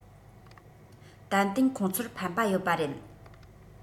ཏན ཏན ཁོང ཚོར ཕན པ ཡོད པ རེད